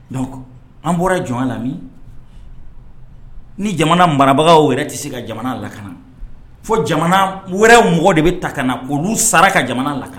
Don an bɔra jɔn lami ni jamana marabagaw wɛrɛ tɛ se ka jamana lakana fo jamana wɛrɛ mɔgɔ de bɛ ta ka na olu sara ka jamana la kan